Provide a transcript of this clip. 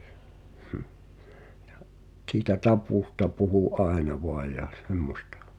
ja siitä taposta puhui aina vain ja semmoista